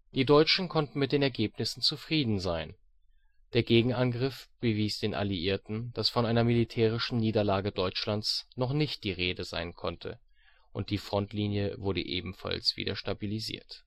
Die Deutschen konnten mit den Ergebnissen zufrieden sein: der Gegenangriff bewies den Alliierten, dass von einer militärischen Niederlage Deutschlands noch nicht die Rede sein konnte, und die Frontlinie wurde ebenfalls wieder stabilisiert